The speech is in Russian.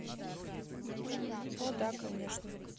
о да конечно